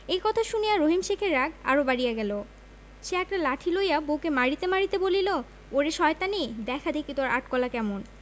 এই কথা শুনিয়া রহিম শেখের রাগ আরও বাড়িয়া গেল সে একটা লাঠি লইয়া বউকে মারিতে মারিতে বলিল ওরে শয়তানী দেখা দেখি তোর আট কলা কেমন